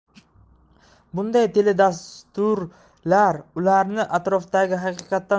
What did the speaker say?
bunday teledastrular ularni atrofdagi haqiqatdan